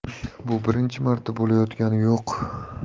bu birinchi marta bo'layotgani yo'q